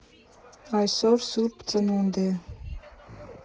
Այսօր Սուրբ Ծնունդ է։